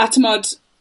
A t'mod,